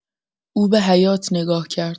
او به حیاط نگاه کرد.